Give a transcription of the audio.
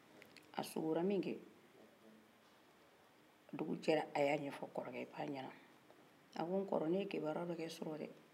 sikora min kɛ dugu jɛra a y'a ɲɛfɔ kɔrɔkɛ ba ɲɛnan a ko n kɔrɔ ne ye kibaruya don kɛ surɔ dɛ